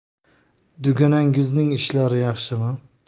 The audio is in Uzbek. duganangizning ishlari yaxshimi